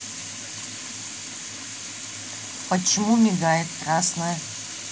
почему мигает красная